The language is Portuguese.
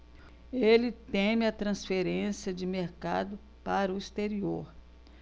ele teme a transferência de mercado para o exterior